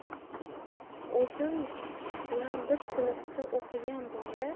o'zim bilan bir sinfda o'qigan bola